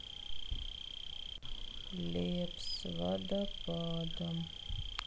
лепс водопадом